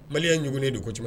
Maliya jugununi de ko